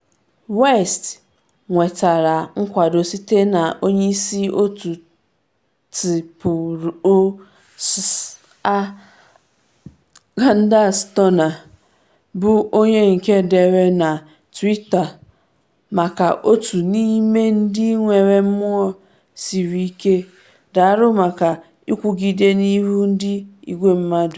West nwetara nkwado site na onye isi otu TPUSA, Candace Turner, bụ onye nke dere na twitter: “Maka otu n’ime ndị nwere mmụọ siri ike: DAALỤ MAKA ỊKWỤGIDE N’IHU NDỊ IGWE MMADỤ.”